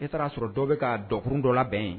E taara'a sɔrɔ dɔ bɛ ka dɔkurun dɔ la bɛn ye